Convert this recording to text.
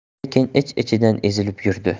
lekin ich ichidan ezilib yurdi